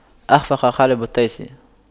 أَخْفَقَ حالب التيس